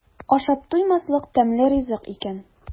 Ашап туймаслык тәмле ризык икән.